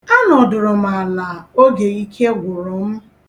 A nọdụrụ m ala oge ike gwụrụ m.